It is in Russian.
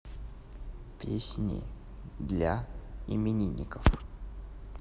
песни для именинников